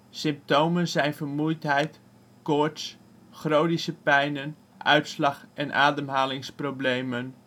symptomen zijn vermoeidheid, koorts, chronische pijnen, uitslag en ademhalingsproblemen